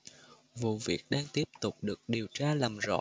vụ việc đang tiếp tục được điều tra làm rõ